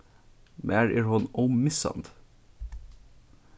mær er hon ómissandi